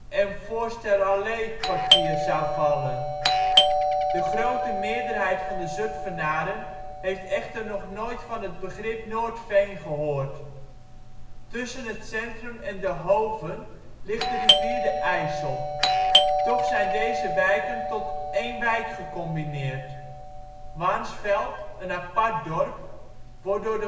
en Voorsteralleekwartier zou vallen. De grote meerderheid van de Zutphenaren heeft echter nog nooit van het begrip ' Noordveen ' gehoord. Tussen het centrum en De Hoven ligt de rivier de IJssel; toch zijn deze wijken tot een ' wijk ' gecombineerd. Warnsveld, een apart dorp, wordt door